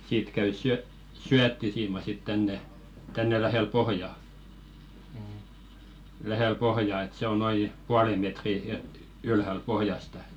siitä käy - syöttisiima sitten tänne tänne lähelle pohjaa lähelle pohjaa että se on noin puolen metrin - ylhäällä pohjasta